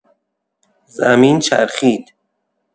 زمین چرخید.